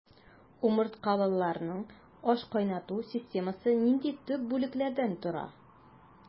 Умырткалыларның ашкайнату системасы нинди төп бүлекләрдән тора?